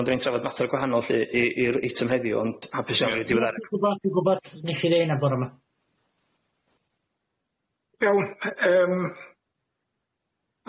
Ocê 'da ni'n trafod mater gwahanol lly i i'r eitem heddiw ond hapus iawn i fi diweddaru... Dwi'n gwbod dwi'n gwbod nes i ddeu hynna bora 'ma.